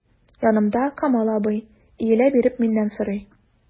Янымда— Камал абый, иелә биреп миннән сорый.